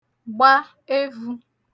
gba evū